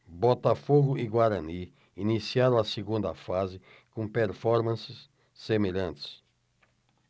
botafogo e guarani iniciaram a segunda fase com performances semelhantes